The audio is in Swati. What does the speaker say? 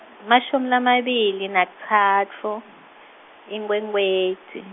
mashumi lamabili nakutsatfu, Inkhwekhweti.